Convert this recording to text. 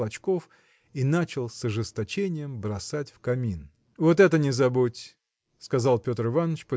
клочков и начал с ожесточением бросать в камин. – Вот это не забудь! – сказал Петр Иваныч